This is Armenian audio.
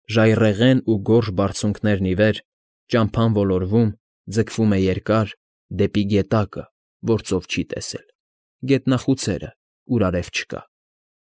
Ժայռերն ու գորշ բարձունքներն ի վեր Ճամփան ոլորվում, ձգվում է երկար՝ Դեպի գետակը, որ ծով չի տեսել, Գետնախուցերը, ուր արև չկա։